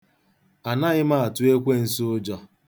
Anaghị m atụ ekwunsu ụjọ.